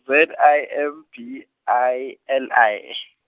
Z I M B I L I .